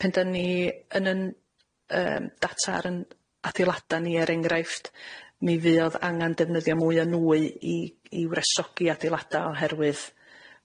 Pen 'de ni yn 'yn yym data ar 'yn adeilada ni er enghraifft, mi fuodd angan defnyddio mwy o nwy i i wresogi adeilada oherwydd